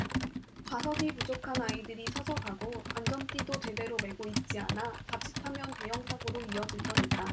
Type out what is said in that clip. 좌석이 부족한 아이들이 서서 가고 안전띠도 제대로 매고 있지 않아 자칫하면 대형사고로 이어질 뻔했다